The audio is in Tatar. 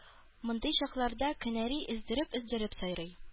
Мондый чакларда кенәри өздереп-өздереп сайрый